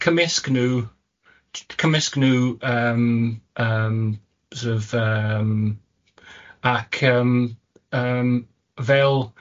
cymysgu nhw t- ... Cymysg nhw yym yym sor' of yym ac yym yym fel